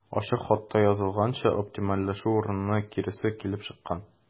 Ачык хатта язылганча, оптимальләшү урынына киресе килеп чыккан.